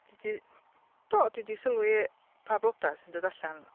Dwi 'di... Do, dwi 'di sylwi pa blodau sy'n dod allan.